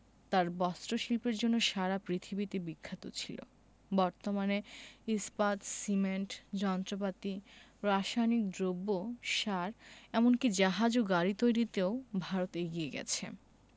তার বস্ত্রশিল্পের জন্য সারা পৃথিবীতে বিখ্যাত ছিল বর্তমানে ইস্পাত সিমেন্ট যন্ত্রপাতি রাসায়নিক দ্রব্য সার এমন কি জাহাজ ও গাড়ি তৈরিতেও ভারত এগিয়ে গেছে